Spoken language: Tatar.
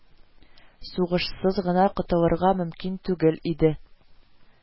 Сугышсыз гына котылырга мөмкин түгел иде